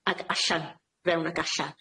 Ag allan, fewn ag allan.